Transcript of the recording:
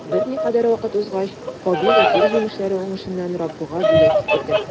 Берникадәр вакыт узгач, Кабил җир җимешләре уңышыннан Раббыга бүләк китерде.